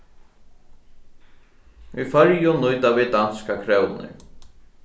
í føroyum nýta vit danskar krónur